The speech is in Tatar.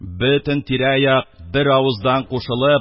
Бөтен тирә-як бер авыздан кушылып,